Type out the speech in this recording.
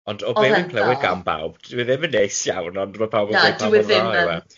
ond o be' fi'n clywed gan bawb dyw e ddim yn neis iawn ond ma' pawb yn gweud pa mor dda yw e.